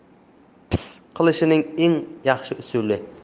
piss qilishning eng yaxshi usuli